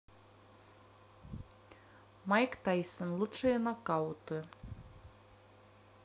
майк тайсон лучшие нокауты